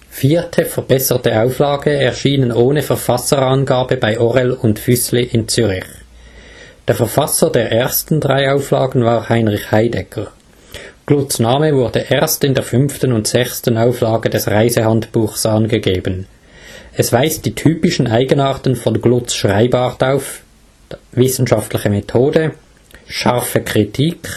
4., verbesserte Auflage, erschienen ohne Verfasserangabe bei Orell und Füssli in Zürich. Der Verfasser der ersten drei Auflagen war Heinrich Heidegger; Glutz ' Name wurde erst in der 5. und 6. Auflage des Reisehandbuchs angegeben. Es weist die typischen Eigenarten von Glutz ' Schreibart auf: wissenschaftliche Methode, scharfe Kritik